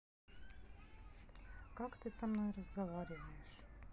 как ты со мной разговариваешь